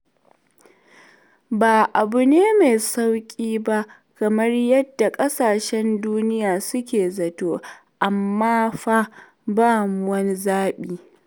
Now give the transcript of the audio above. Ba abu ne mai sauƙi ba kamar yadda ƙasashen duniya suke zato, amma fa babu wani zaɓi.